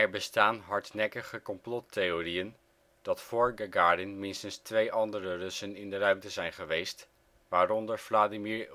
bestaan hardnekkige complottheorieën dat vóór Gagarin minstens twee andere Russen in de ruimte zijn geweest, waaronder Vladimir